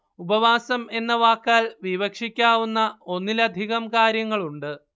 ഉപവാസം എന്ന വാക്കാൽ വിവക്ഷിക്കാവുന്ന ഒന്നിലധികം കാര്യങ്ങളുണ്ട്